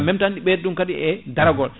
en même ɗi ɓeyɗa ɗum kadi e daragol